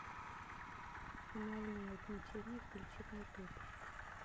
анальное угнетение включи на ютуб